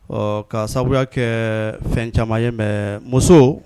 Ɔɔ k'a sabuya kɛɛ fɛn caman ye mais muso